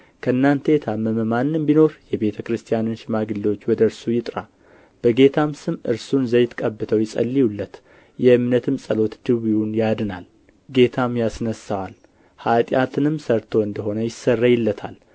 ከእናንተ የታመመ ማንም ቢኖር የቤተ ክርስቲያንን ሽምግሌዎች ወደ እርሱ ይጥራ በጌታም ስም እርሱን ዘይት ቀብተው ይጸልዩለት የእምነትም ጸሎት ድውዩን ያድናል ጌታም ያስነሣዋል ኃጢአትንም ሠርቶ እንደ ሆነ ይሰረይለታል